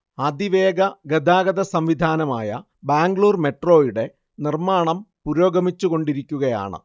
അതിവേഗ ഗതാഗത സംവിധാനമായ ബാംഗ്ലൂർ മെട്രോയുടെ നിർമ്മാണം പുരോഗമിച്ചു കൊണ്ടിരിക്കുകയാണ്